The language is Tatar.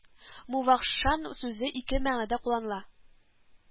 Мувашшан сүзе ике мәгънәдә кулланыла